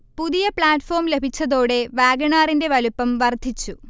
പുതിയ പ്ലാറ്റ്ഫോം ലഭിച്ചതോടെ വാഗണാറിന്റെ വലുപ്പം വർധിച്ചു